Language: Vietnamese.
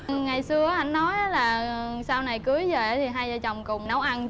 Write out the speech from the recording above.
ngày xưa á anh nói á là sau này cưới giề thì hai dợ chồng cùng nấu ăn